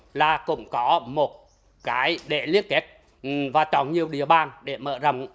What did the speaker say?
là cũng có một cái để liên kết và trọng nhiều địa bàn để mở rộng